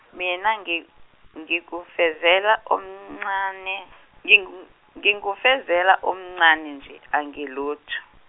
mina ngi- ngikufezela omncane ngingu- ngingufezela omncane nje angilutho.